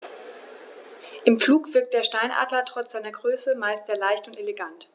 Im Flug wirkt der Steinadler trotz seiner Größe meist sehr leicht und elegant.